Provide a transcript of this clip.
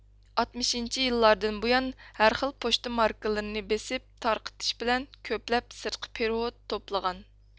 ئاتمىشىنچى يىللاردىن بۇيان ھەرخىل پوچتا ماركىلىرىنى بېسىپ تارقىتىش بىلەن كۆپلەپ سىرتقى پېرېۋوت توپلىغان